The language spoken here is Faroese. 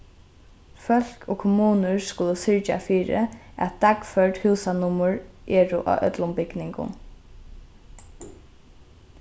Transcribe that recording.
fólk og kommunur skulu syrgja fyri at dagførd húsanummur eru á øllum bygningum